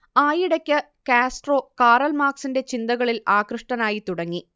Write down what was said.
ആയിടക്ക് Castro Karl മാർക്സിന്റെ ചിന്തകളിൽ ആകൃഷ്ടനായിത്തുടങ്ങി